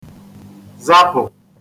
zapụ̀